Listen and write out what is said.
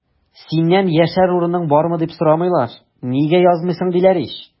Синнән яшәр урының бармы, дип сорамыйлар, нигә язмыйсың, диләр ич!